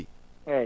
eeyi